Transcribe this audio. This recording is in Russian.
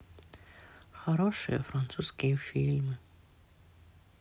хорошие французские фильмы